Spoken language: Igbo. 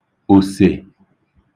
òsè